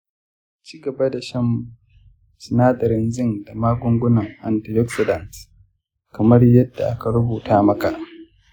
ka ci gaba da shan sinadarin zinc da magungunan antioxidant kamar yadda aka rubuta maka.